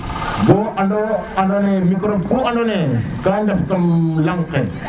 bo ando na ando naye microbe ku ando na ye ka ndef kam laŋ ke